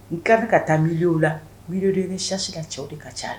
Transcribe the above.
N kan ka taa mi la wuli de ni sisi ka cɛw de ka ca la